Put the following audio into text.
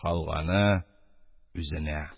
Калганы үзенә.